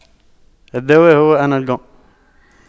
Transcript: الدواء هو انالكون